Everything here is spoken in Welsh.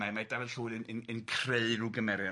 Mae mae Dafydd Llwyd yn yn yn creu rw gymeriad.